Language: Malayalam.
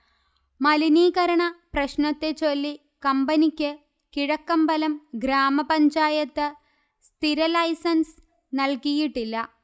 മലിനീകരണപ്രശ്നത്തെച്ചൊല്ലി കമ്പനിക്ക് കിഴക്കമ്പലം ഗ്രാമപഞ്ചായത്ത് സ്ഥിരലൈസൻസ് നൽകിയിട്ടില്ല